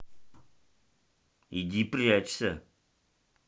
иди прячься